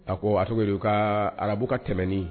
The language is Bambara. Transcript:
A ko a cogo u ka arabu ka tɛmɛn